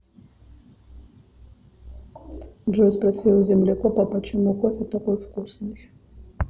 джой спроси у землекопа почему кофе такой вкусный